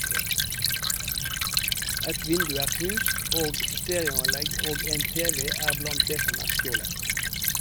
Et vindu er knust, og stereoanlegg og en tv er blant det som er stjålet.